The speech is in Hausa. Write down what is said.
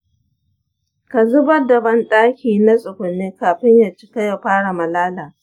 ka zubar da bandaki na tsugunne kafin ya cika ya fara malala.